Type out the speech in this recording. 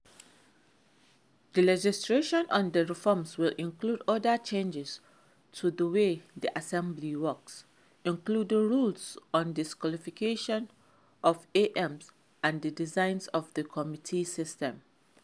The legislation on the reforms will include other changes to the way the assembly works, including rules on disqualification of AMs and the design of the committee system.